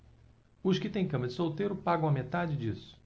os que têm cama de solteiro pagam a metade disso